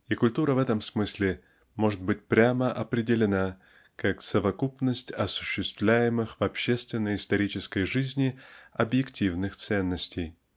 и культура в этом смысле может быть прямо определена как совокупность осуществляемых в общественно-исторической жизни объективных ценностей.